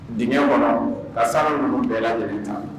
Di kɔnɔ ka sanu minnu bɛɛ de ta